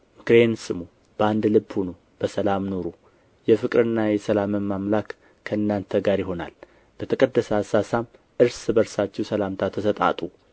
ምክሬን ስሙ በአንድ ልብ ሁኑ በሰላም ኑሩ የፍቅርና የሰላምም አምላክ ከእናንተ ጋር ይሆናል በተቀደሰ አሳሳም እርስ በርሳችሁ ሰላምታ ተሰጣጡ